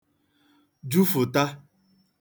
jufụ̀tà